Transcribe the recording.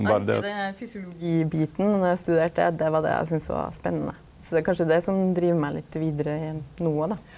eg hugsar det fysiologibiten når eg studerte det det var det eg synest var spennande, så det er kanskje det som driv meg litt vidare no òg då.